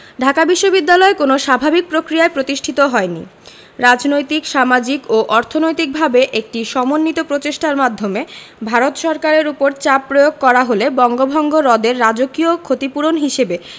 ঢাকা বিশ্ববিদ্যালয় কোনো স্বাভাবিক প্রক্রিয়ায় প্রতিষ্ঠিত হয়নি রাজনৈতিক সামাজিক ও অর্থনৈতিকভাবে একটি সমন্বিত প্রচেষ্টার মাধ্যমে ভারত সরকারের ওপর চাপ প্রয়োগ করা হলে বঙ্গভঙ্গ রদের রাজকীয় ক্ষতিপূরণ হিসেবে